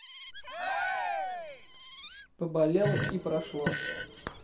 поболело и прошло